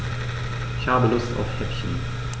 Ich habe Lust auf Häppchen.